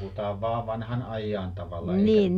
puhutaan vain vanhan ajan tavalla eikä